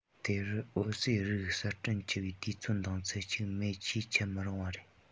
དེ རུ འོ གསོས རིགས གསར སྐྲུན བགྱི བའི དུས ཚོད འདང ཚད ཅིག མེད ཅེས འཆད མི རུང བ རེད